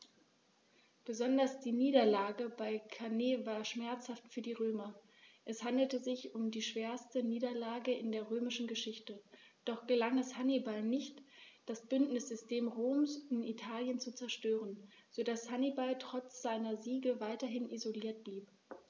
Besonders die Niederlage bei Cannae war schmerzhaft für die Römer: Es handelte sich um die schwerste Niederlage in der römischen Geschichte, doch gelang es Hannibal nicht, das Bündnissystem Roms in Italien zu zerstören, sodass Hannibal trotz seiner Siege weitgehend isoliert blieb.